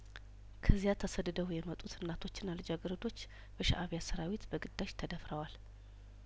ከዚያተ ሰድደው የመጡት እናቶችና ልጃገረዶች በሻእቢያሰራዊት በግዳጅ ተደፍ ረዋል